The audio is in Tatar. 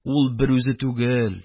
Ул бер үзе түгел,